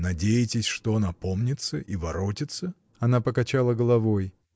надеетесь, что он опомнится и воротится? Она покачала головой.